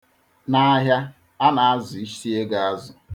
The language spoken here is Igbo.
N'ahịa, a na-azụ isego azụ.